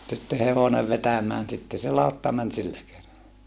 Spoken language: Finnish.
sitten hevonen vetämään sitten se lautta meni sillä keinolla